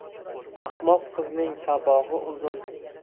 ahmoq qizning sabog'i uzun